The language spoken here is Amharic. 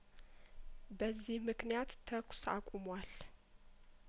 በዚህ ምክንያት ተኩስ አቁሟል